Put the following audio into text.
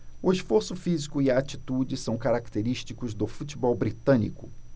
o esforço físico e a atitude são característicos do futebol britânico